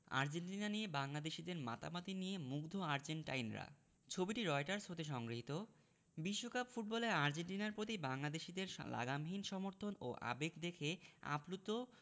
Argentina নিয়ে বাংলাদেশিদের মাতামাতি নিয়ে মুগ্ধ আর্জেন্টাইনরা ছবিটি রয়টার্স হতে সংগৃহীত বিশ্বকাপ ফুটবলে আর্জেন্টিনার প্রতি বাংলাদেশিদের লাগামহীন সমর্থন ও আবেগ দেখে আপ্লুত